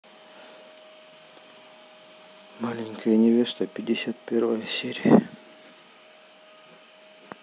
маленькая невеста пятьдесят первая серия